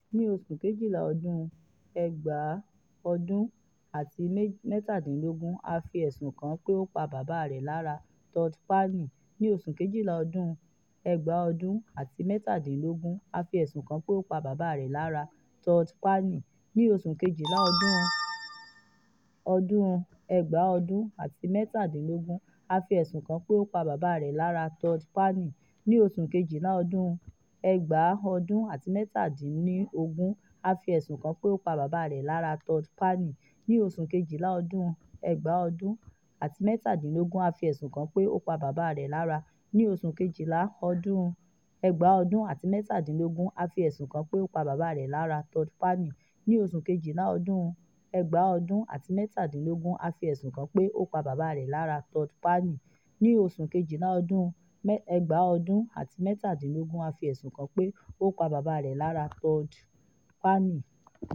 Ni osu kejila ọdun 2017, a fi ẹsun kan pe o pa baba rẹ lara, Todd Palin.